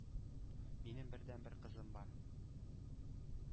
Минем бердәнбер кызым бар.